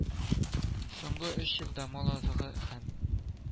Соңгы өч елда мал азыгы һәм